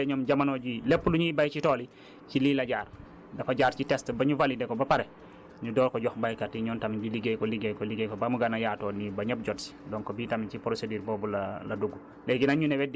parce que boo xoolee ñoom jamono jii lépp lu ñuy bay ci tool yi si lii la jaar dafa jaar ci test ba ñu valider ko ba pare ñu door ko jox baykat yi ñoom tamit ñu liggéey ko liggéey ko ba mu gën a yaatoo nii ba ñépp jot si donc bii tamit ci procédure boobu la la dugg